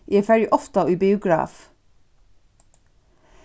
eg fari ofta í biograf